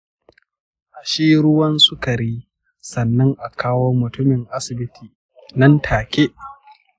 a shi ruwan sukari sannan a kawo mutumin asibiti nan take